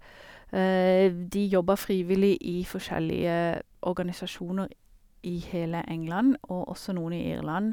v De jobba frivillig i forskjellige organisasjoner i hele England, og også noen i Irland.